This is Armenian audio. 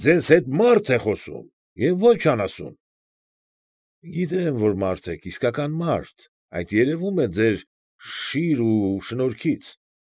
Ձեզ հետ մարդ է խոսում և ոչ անասուն։ ֊ Գիտեմ, որ մարդ եք, իսկական մարդ, այդ երևում է ձեր շիր ու շնորհքից։